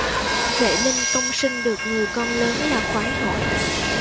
vệ linh công sinh được người con lớn là khoái hội